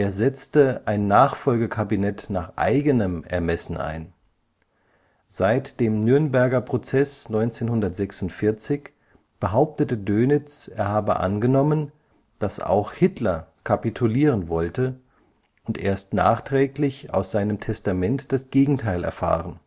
setzte ein Nachfolgekabinett nach eigenem Ermessen ein. Seit dem Nürnberger Prozess 1946 behauptete Dönitz, er habe angenommen, dass auch Hitler kapitulieren wollte, und erst nachträglich aus seinem Testament das Gegenteil erfahren